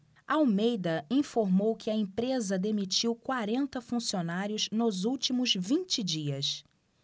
almeida informou que a empresa demitiu quarenta funcionários nos últimos vinte dias